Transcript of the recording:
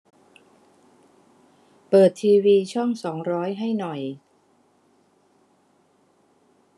เปิดทีวีช่องสองร้อยให้หน่อย